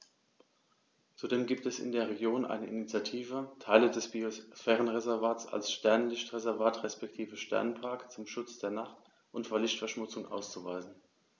Zudem gibt es in der Region eine Initiative, Teile des Biosphärenreservats als Sternenlicht-Reservat respektive Sternenpark zum Schutz der Nacht und vor Lichtverschmutzung auszuweisen.